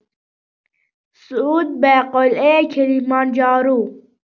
صعود به قله کلیمانجارو